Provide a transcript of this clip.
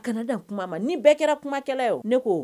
Kana dan kuma ma ni bɛɛ kɛra kumakɛla ye o ne ko o